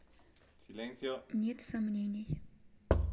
нет сомнений